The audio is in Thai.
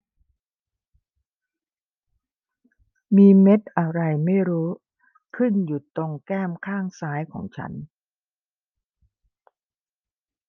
มีเม็ดอะไรไม่รู้ขึ้นอยู่ตรงแก้มข้างซ้ายของฉัน